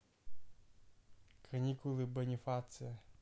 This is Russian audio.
каникулы бонифация